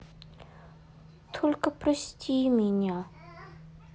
только прости меня